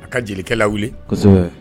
A ka jelikɛ la wuli kosɛbɛ